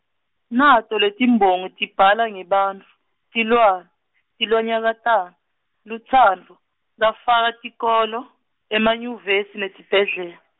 nato letiMbongi tibhala ngebantfu, tilwa, tilwanyakata-, lutsandvo, lafaka tikolo, emanyuvesi netibhedlel-.